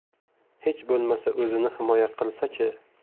hech bo'lmasa o'zini himoya qilsa chi